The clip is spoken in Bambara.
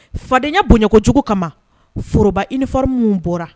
Fadenya bonyan kojugu kama foroba uniforme min bɔra